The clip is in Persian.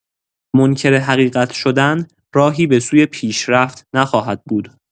منکر حقیقت شدن، راهی به سوی پیشرفت نخواهد بود.